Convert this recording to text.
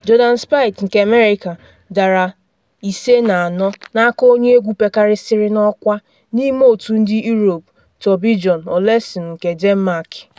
Jordan Spieth nke America dara 5na4 n’aka onye egwu pekarịsịrị n’ọkwa n’ime otu ndị Europe, Thorbjorn Olesen nke Denmark.